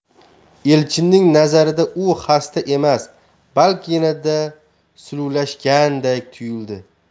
elchinning nazarida u xasta emas balki yanada suluvlashganday tuyuldi